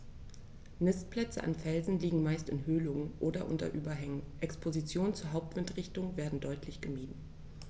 Nistplätze an Felsen liegen meist in Höhlungen oder unter Überhängen, Expositionen zur Hauptwindrichtung werden deutlich gemieden.